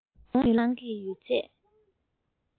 མེ ལོང ནང གི ཡོད ཚད